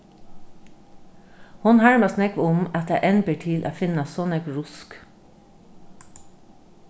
hon harmast nógv um at tað enn ber til at finna so nógv rusk